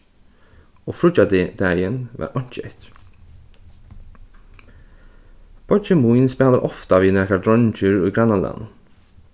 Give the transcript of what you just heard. og dagin var einki eftir beiggi mín spælir ofta við nakrar dreingir í grannalagnum